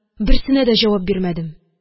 Берсенә дә җавап бирмәдем